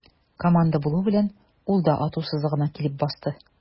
Команда булу белән, ул да ату сызыгына килеп басты.